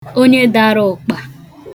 onye dara ụkpà